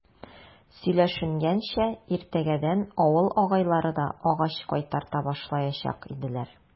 Сөйләшенгәнчә, иртәгәдән авыл агайлары да агач кайтарта башлаячак иделәр.